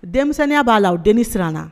Denmisɛnninya b'a la o den siranna